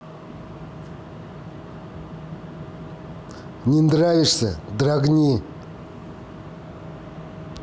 не нравишься драгни